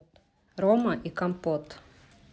рома и компот